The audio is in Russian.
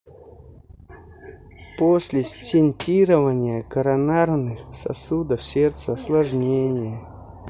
после стентирования коронарных сосудов сердца осложнение